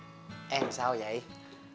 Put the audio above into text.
em sao dậy